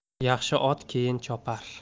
yaxshi ot keyin chopar